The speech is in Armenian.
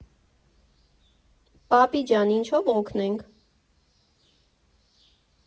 ֊ Պապի ջան, ինչով օգնենք։